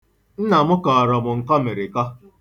Nna m kọọrọ nkọmịrịḳọ.